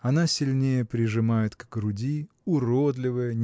Она сильнее прижимает к груди уродливое